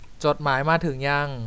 จดหมายมาถึงยัง